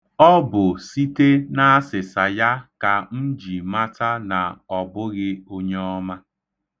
Ọ bụ site n'asịsa ya ka m ji mata na ọ bụghị onye ọma.